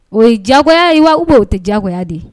O ye diyagoya u b'o tɛ jagoya de